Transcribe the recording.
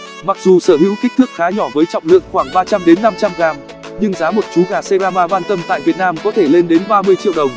mặc dù sở hữu kích thước khá nhỏ với trọng lượng khoảng g nhưng giá một chú gà serama bantam tại việt nam có thể lên đến triệu đồng